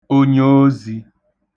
onyoozī